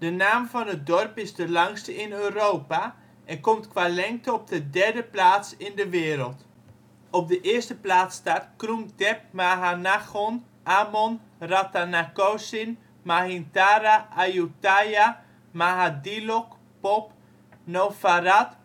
naam van het dorp is de langste in Europa, en komt qua lengte op de derde plaats in de wereld: 1e plaats: Krung Thep Mahanakhon Amon Rattanakosin Mahinthara Ayuthaya Mahadilok Phop Noppharat